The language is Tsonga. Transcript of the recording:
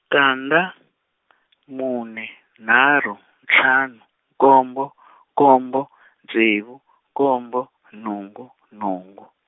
tandza , mune nharhu ntlhanu nkombo nkombo ntsevu nkombo nhungu nhungu.